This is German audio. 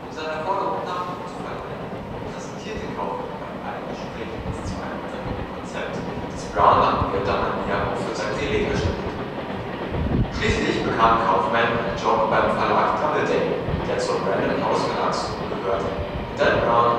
seiner Forderung Nachdruck zu verleihen, präsentierte Kaufman bei allen Gesprächen das 200-seitige Konzept, das Brown nach bewährter Manier auch für Sakrileg erstellt hatte. Schließlich bekam Kaufman einen Job beim Verlag Doubleday, der zur Random-House-Verlagsgruppe gehört, und Dan Brown